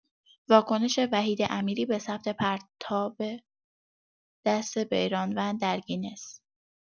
واکنش وحید امیری به ثبت پرتاب دست بیرانوند در گینس